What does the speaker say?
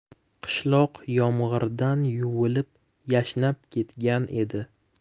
qishloq yomg'irdan yuvilib yashnab ketgan edi